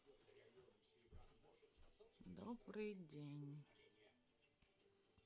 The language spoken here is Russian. добрый день